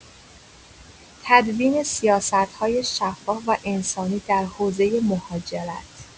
تدوین سیاست‌های شفاف و انسانی در حوزه مهاجرت